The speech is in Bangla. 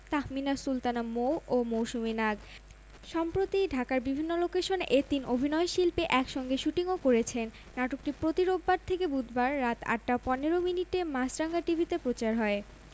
তাহমিনা সুলতানা মৌ ও মৌসুমী নাগ সম্প্রতি ঢাকার বিভিন্ন লোকেশনে এ তিন অভিনয়শিল্পী একসঙ্গে শুটিংও করেছেন নাটকটি প্রতি রোববার থেকে বুধবার রাত ৮টা ১৫ মিনিটে মাছরাঙা টিভিতে প্রচার হয়